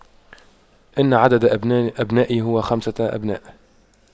إن عدد أبناء أبنائي هو خمسة أبناء